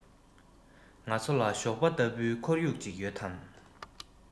ང ཚོ ལ ཞོགས པ ལྟ བུའི ཁོར ཡུག ཅིག ཡོད དམ